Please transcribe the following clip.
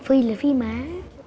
phi là phi mã